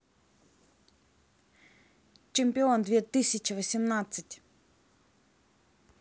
чемпион две тысячи восемнадцать